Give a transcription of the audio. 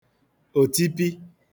òtipi